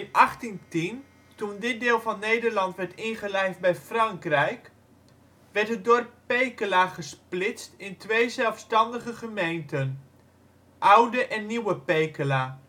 In 1810, toen dit deel van Nederland werd ingelijfd bij Frankrijk, werd het dorp Pekela gesplitst in twee zelfstandige gemeenten: Oude en Nieuwe Pekela